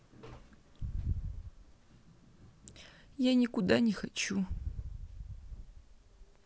я никуда не хочу